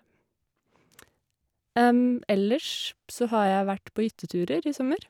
Ellers p så har jeg vært på hytteturer i sommer.